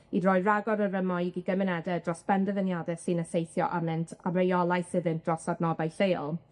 i roi ragor o rymoedd i gymunede dros benderfyniade sy'n effeithio arnynt a reolaeth iddynt dros adnoddau lleol.